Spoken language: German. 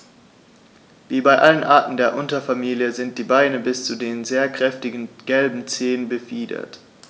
Wie bei allen Arten der Unterfamilie sind die Beine bis zu den sehr kräftigen gelben Zehen befiedert.